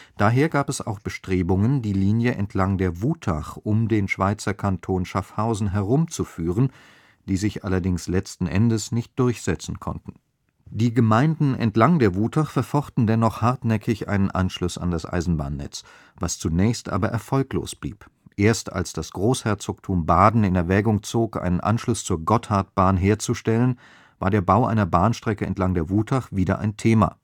Daher gab es auch Bestrebungen, die Linie entlang der Wutach um den Schweizer Kanton Schaffhausen herumzuführen, die sich allerdings letzten Endes nicht durchsetzen konnten. Die Gemeinden entlang der Wutach verfochten dennoch hartnäckig einen Anschluss an das Eisenbahnnetz, was zunächst aber erfolglos blieb. Erst als das Großherzogtum Baden in Erwägung zog, einen Anschluss zur Gotthardbahn herzustellen, war der Bau einer Bahnstrecke entlang der Wutach wieder ein Thema